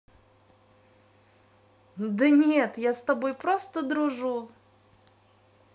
да нет я с тобой просто дружу